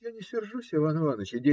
- Я не сержусь, Иван Иваныч.